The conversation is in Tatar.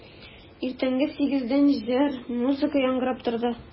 Иртәнге сигездән җыр, музыка яңгырап торды.